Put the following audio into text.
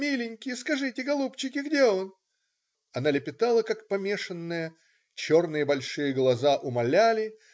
миленькие, скажите, голубчики, где он?" Она лепетала как помешанная, черные, большие глаза умоляли.